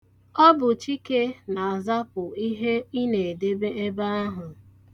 Ọ bụ Chike na-azapụ ihe ị na-edebe ebe ahụ.